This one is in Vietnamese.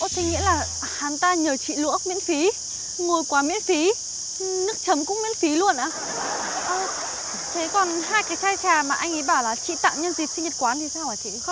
ô thế nghĩa là hắn ta nhờ chị luộc ốc miễn phí ngồi quán miễn phí nước chấm cũng miễn phí luôn á ơ thế còn hai cái khay trà mà anh ý bảo là chị tặng nhân dịp sinh nhật quán thì sao ạ chị